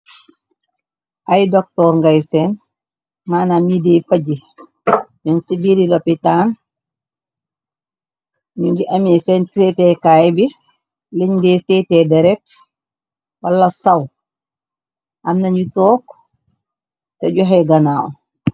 Ay doktor ngay seen, mana midee faji ñoon ci biiri lopitaan, ñu ngi amée seen seetékaay bi, liñ de séeté deret wala saw, amnañu took te joxe ganaaw.